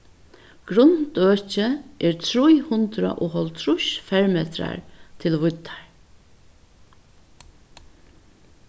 grundøkið er trý hundrað og hálvtrýss fermetrar til víddar